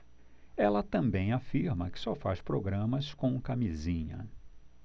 ela também afirma que só faz programas com camisinha